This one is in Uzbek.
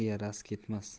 dil yarasi ketmas